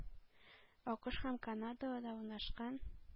Акыш һәм канадада урнашкан,